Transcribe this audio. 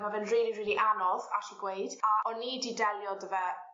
...ma' fe'n rili rili anodd allu gweud a o'n i 'di delio 'dy fe